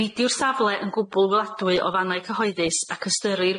Nid yw'r safle yn gwbl weladwy o fannau cyhoeddus ac ystyrir